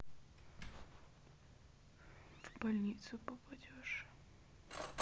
в больницу попадешь